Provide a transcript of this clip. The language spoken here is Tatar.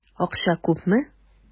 Акча күпме?